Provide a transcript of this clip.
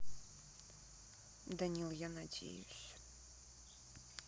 данил я надеюсь